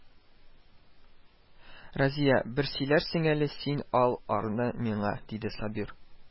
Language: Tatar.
Разия, бер сөйләрсең әле син ал арны миңа, диде Сабир